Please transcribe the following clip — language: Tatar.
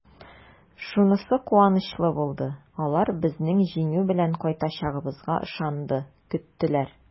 Шунысы куанычлы булды: алар безнең җиңү белән кайтачагыбызга ышанды, көттеләр!